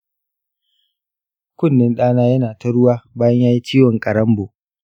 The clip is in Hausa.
kunnen ɗana yana ta ruwa bayan yayi ciwon ƙaranbo.